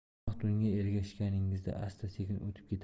vaqt unga ergashganingizda asta sekin o'tib ketadi